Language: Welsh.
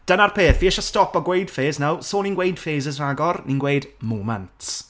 Dyna'r peth, fi isie stopo gweud phase nawr, so ni'n gweud phases rhagor, ni'n gweud moments.